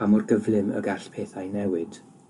pa mor gyflym y gall pethau newid.